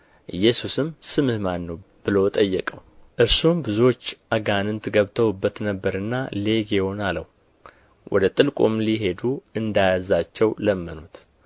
ኢየሱስም ስምህ ማን ነው ብሎ ጠየቀው እርሱም ብዙዎች አጋንንት ገብተውበት ነበርና ሌጌዎን አለው ወደ ጥልቁም ሊሄዱ እንዳያዛቸው ለመኑት